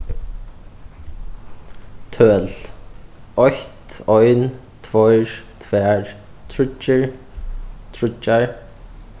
tøl eitt ein tveir tvær tríggir tríggjar